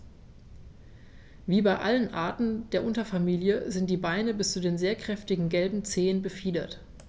Wie bei allen Arten der Unterfamilie sind die Beine bis zu den sehr kräftigen gelben Zehen befiedert.